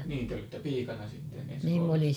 niin te olitte piikana sitten Eskolassa